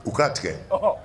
U ka tigɛ, ɔhɔ.